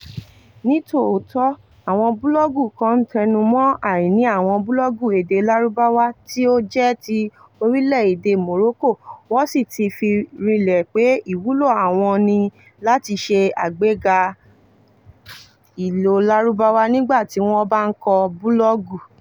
Ní tòótọ́, àwọn búlọ́ọ̀gù kan ń tẹnumọ́ àìní àwọn búlọ́ọ̀gù èdè Lárúbáwá tí ó jẹ́ ti orílẹ̀ èdè Morocco wọ́n sì ti fi rinlẹ̀ pé ìwúlò àwọn ni láti ṣe àgbéga ìlò Lárúbáwá nígbà tí wọ́n bá ń kọ búlọ́ọ̀gù.